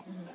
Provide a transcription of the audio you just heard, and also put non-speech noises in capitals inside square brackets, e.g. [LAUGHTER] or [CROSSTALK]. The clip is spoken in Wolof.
[HESITATION] [HESITATION]